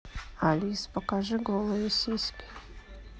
алис покажи голые сиськи